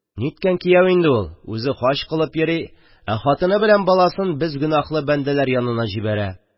Ниткән кияү инде ул: үзе хаҗ кылып йөри, ә хатыны белән баласын без гөнаһлы бәндәләр янына җибәрә!..